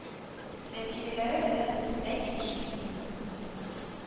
Нәтиҗәләре белән бөтенләй килешмим димим